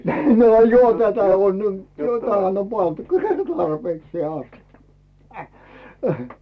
no johan tätä on jo tähän on pantukin tarpeeksi asti hähä